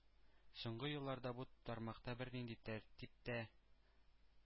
Соңгы елларда бу тармакта бернинди тәртип тә,